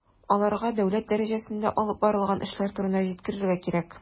Аларга дәүләт дәрәҗәсендә алып барылган эшләр турында җиткерергә кирәк.